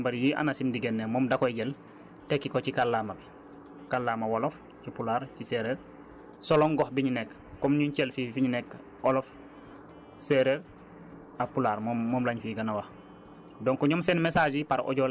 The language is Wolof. surtout information yu ci gën a bëri yi Anacim di génne moom da koy jël tekki ko ci kàllaama kàllaama wolof ci pulaar séeréer selon gox bi ñu nekk comme ñun Thiel fii fi ñu nekk olof séeréer ak pulaar moom moom lañ fiy gën a wax